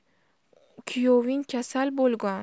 kuyoving kasal bo'lgon